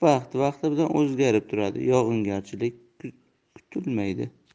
vaqti vaqti bilan o'zgarib turadi yog'ingarchilik kutilmaydi